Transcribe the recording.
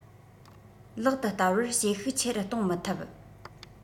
ལག ཏུ བསྟར བར བྱེད ཤུགས ཆེ རུ གཏོང མི ཐུབ